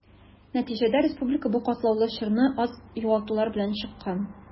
Нәтиҗәдә республика бу катлаулы чорны аз югалтулар белән чыккан.